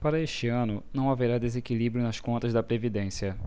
para este ano não haverá desequilíbrio nas contas da previdência